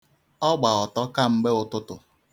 Ọ gba ọtọ kamgbe ụtụtụ.